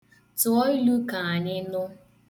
Tụọ ilu ka anyị nụ.